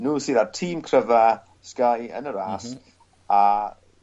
N'w sydd â'r tîm cryfa Sky yn y ras. M-hm. A